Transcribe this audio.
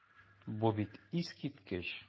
Бу бит искиткеч!